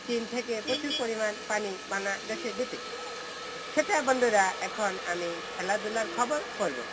চীন থেকে চীন থেকে প্রচুর পরিমাণে পানি বাংলাদেশ দিতে সেটা বন্ধুরা আমি এখন খেলাধুলার খবর পড়ব